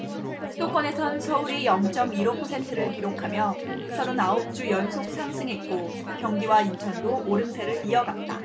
수도권에선 서울이 영 쩜 일 오 퍼센트를 기록하며 서른 아홉 주 연속 상승했고 경기와 인천도 오름세를 이어갔다